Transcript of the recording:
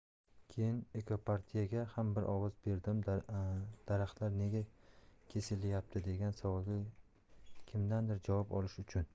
keyin ekopartiyaga ham bir ovoz berdim daraxtlar nega kesilyapti degan savolga kimdandir javob olish uchun